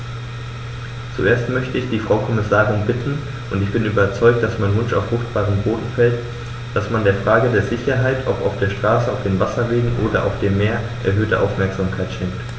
Zuerst möchte ich die Frau Kommissarin bitten - und ich bin überzeugt, dass mein Wunsch auf fruchtbaren Boden fällt -, dass man der Frage der Sicherheit, ob auf der Straße, auf den Wasserwegen oder auf dem Meer, erhöhte Aufmerksamkeit schenkt.